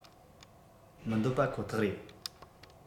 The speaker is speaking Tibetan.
མི འདོད པ ཁོ ཐག རེད